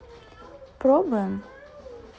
пробуем